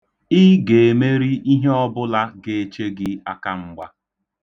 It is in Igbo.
Ị ga-emeri ihe ọbụla ga-eche gị akamgba.